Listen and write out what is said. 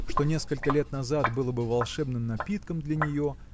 что несколько лет назад было бы волшебным напитком для нее